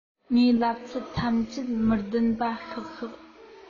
ངས ལབ ཚད ཐམས ཅད མི བདེན པ ཤག ཤག